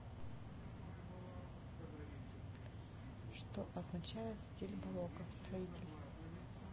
что означает стиль барокко в строительстве